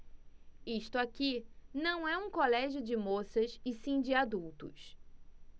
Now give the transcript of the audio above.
isto aqui não é um colégio de moças e sim de adultos